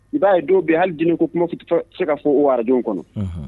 I b'a ye don bi hali di ko kumafin se ka fɔ o araj kɔnɔ